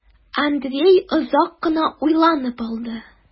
Андрей озак кына уйланып алды.